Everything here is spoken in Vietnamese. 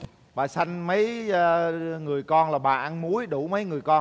bà sanh mấy a người con là bà ăn muối đủ mấy người con